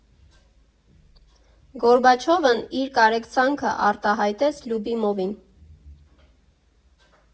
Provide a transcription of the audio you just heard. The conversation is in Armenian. Գորբաչովն իր կարեկցանքն արտահայտեց Լյուբիմովին։